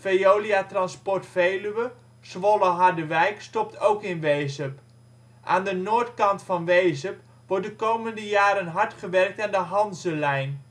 Veolia Transport Veluwe) Zwolle - Harderwijk stopt ook in Wezep. Aan de noordkant van Wezep wordt de komende jaren hard gewerkt aan de Hanzelijn.